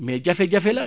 mais jafe-jafe la